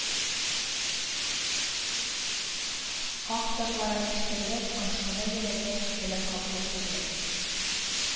Аһ-зарларын ишетерлек һәм шуны йөрәге белән кабул итәрлек,